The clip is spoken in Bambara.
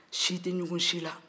si tɛ ɲugu si la